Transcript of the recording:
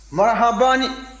marahabanin